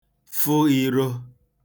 fụ īrō